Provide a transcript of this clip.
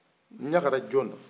n ɲagara jɔn na